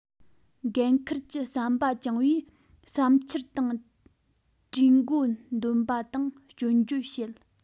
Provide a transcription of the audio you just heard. འགན འཁུར གྱི བསམ པ བཅངས ནས བསམ འཆར དང གྲོས འགོ འདོན པ དང སྐྱོན བརྗོད བྱེད